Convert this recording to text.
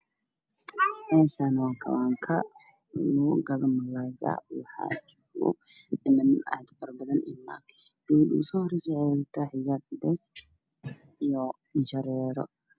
Meeshan waa kawaanka lagu gado malayga waxaa iga muqdo niman fara badan iyo naago gabadha uso horeyso waxay awadata xijaab cadees iyo indha sharoor